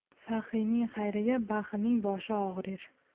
saxiyning xayriga baxilning boshi og'rir